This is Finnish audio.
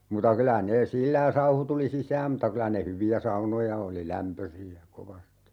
mutta kyllä ne sillä ja sauhu tuli sisään mutta kyllä ne hyviä saunoja oli lämpöisiä kovasti